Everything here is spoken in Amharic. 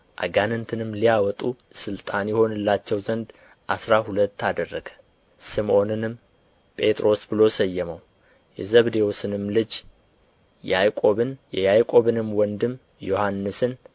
አጋንንትንም ሊያወጡ ሥልጣን ይሆንላቸው ዘንድ አሥራ ሁለት አደረገ ስምዖንንም ጴጥሮስ ብሎ ሰየመው የዘብዴዎስንም ልጅ ያዕቆብን የያዕቆብንም ወንድም ዮሐንስን